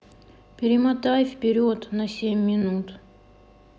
перемотай вперед на семь минут